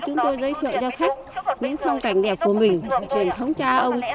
chúng tôi giới thiệu cho khách những phong cảnh đẹp của mình truyền thống cha ông